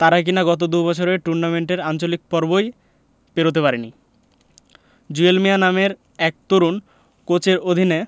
তারা কিনা গত দুই বছরে টুর্নামেন্টের আঞ্চলিক পর্বই পেরোতে পারেনি জুয়েল মিয়া নামের এক তরুণ কোচের অধীনে